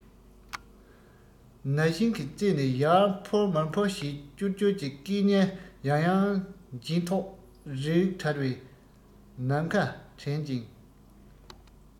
ན ཤིང གི རྩེ ནས ཡར འཕུར མར འཕུར བྱེད ཀྱུར ཀྱུར གྱི སྐད སྙན ཡང ཡང འབྱིན ཐོགས རེག བྲལ བའི ནམ མཁའ དྲན ཅིང